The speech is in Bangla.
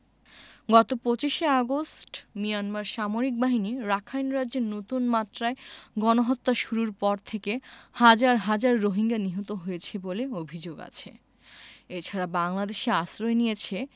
গত ২৫ আগস্ট মিয়ানমার সামরিক বাহিনী রাখাইন রাজ্যে নতুন মাত্রায় গণহত্যা শুরুর পর থেকে হাজার হাজার রোহিঙ্গা নিহত হয়েছে বলে অভিযোগ আছে এ ছাড়া বাংলাদেশে আশ্রয় নিয়েছে